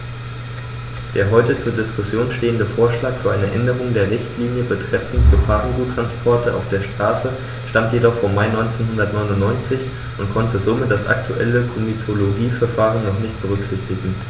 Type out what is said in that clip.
Der heute zur Diskussion stehende Vorschlag für eine Änderung der Richtlinie betreffend Gefahrguttransporte auf der Straße stammt jedoch vom Mai 1999 und konnte somit das aktuelle Komitologieverfahren noch nicht berücksichtigen.